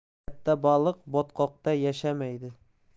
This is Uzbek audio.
katta baliq botqoqda yashamaydi